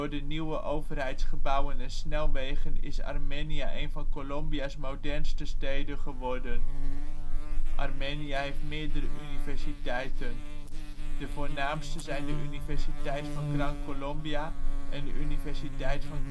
de nieuwe overheidsgebouwen en snelwegen is Armenia een van Colombia 's modernste steden geworden. Armenia heeft meerdere universiteiten. De voornaamste zijn de Universiteit van Gran Colombia en de Universiteit van